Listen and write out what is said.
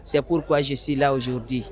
C'est pourquoi je suis là aujourd'hui